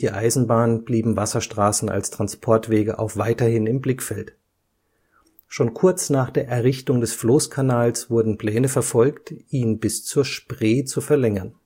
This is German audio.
Eisenbahn blieben Wasserstraßen als Transportwege auch weiterhin im Blickfeld. Schon kurz nach der Errichtung des Floßkanals wurden Pläne verfolgt, ihn bis zur Spree zu verlängern